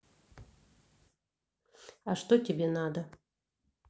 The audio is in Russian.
а что тебе надо